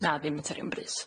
Na, dim materion brys.